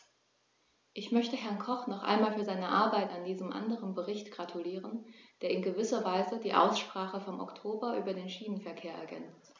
Ich möchte Herrn Koch noch einmal für seine Arbeit an diesem anderen Bericht gratulieren, der in gewisser Weise die Aussprache vom Oktober über den Schienenverkehr ergänzt.